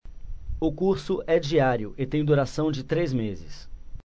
o curso é diário e tem duração de três meses